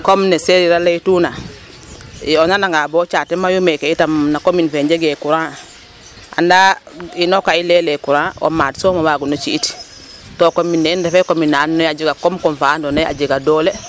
Comme ne Seereer a laytuna ii, o nananga bo caate mayu meke na commune fe njegee courant anda ino ga i lay ee le courant o maad soom o waagun o ci'it to commune ne in refee commune na andoona yee a jega kom kom fa andoona yee a jega doole.